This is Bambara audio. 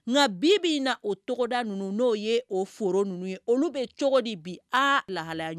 Nka bi bɛ na o tɔgɔda ninnu n'o ye o foro ninnu ye olu bɛ cogo de bi a lahalaya